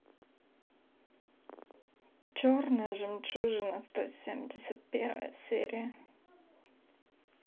черная жемчужина сто семьдесят первая серия